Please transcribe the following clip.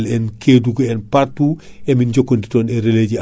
ko ina traite ta 200MILLES hectares